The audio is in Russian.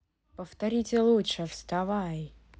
повторите лучше вставай